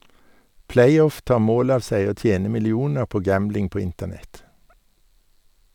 Playoff tar mål av seg å tjene millioner på gambling på internett.